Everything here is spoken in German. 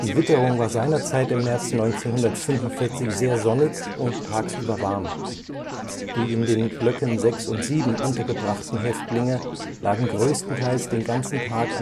Witterung war seinerzeit im März 1945 sehr sonnig und tagsüber warm. Die in den Blöcken 6 und 7 untergebrachten Häftlinge lagen größtenteils den ganzen Tag